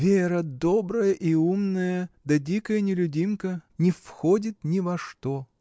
Вера добрая и умная, да дикая нелюдимка, не входит ни во что.